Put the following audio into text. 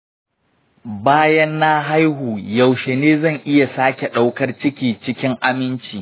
bayan na haihu, yaushe ne zan iya sake ɗaukar ciki cikin aminci?